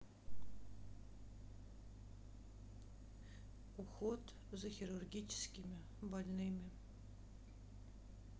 уход за хирургическими больными